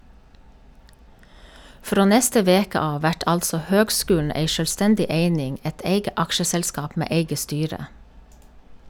Frå neste veke av vert altså høgskulen ei sjølvstendig eining, eit eige aksjeselskap med eige styre.